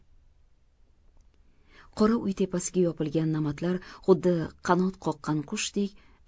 qora uy tepasiga yopilgan namatlar xuddi qanot qoqqan qushdek